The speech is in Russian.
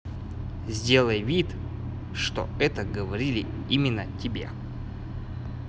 сделай вид что это говорили именно тебе